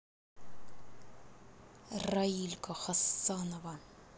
раилька хасанова